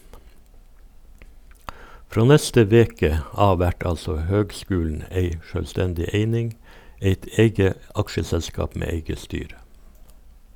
Frå neste veke av vert altså høgskulen ei sjølvstendig eining, eit eige aksjeselskap med eige styre.